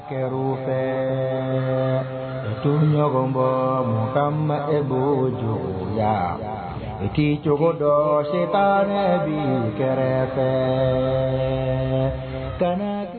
Kɛra fɛ toɲɔgɔn bɔ mɔgɔ ma e' jɔ o la tigi cogo dɔ se taara bi kɛrɛfɛ fɛ kana